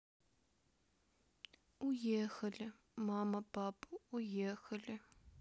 уехали мама папа уехали